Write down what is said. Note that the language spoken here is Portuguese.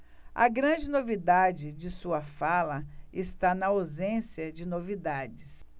a grande novidade de sua fala está na ausência de novidades